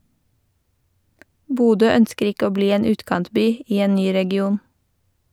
Bodø ønsker ikke å bli en utkantby i en ny region.